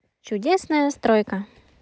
чудесная стройка